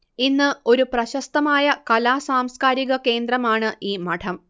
ഇന്ന് ഒരു പ്രശസ്തമായ കലാ സാംസ്കാരിക കേന്ദ്രമാണ് ഈ മഠം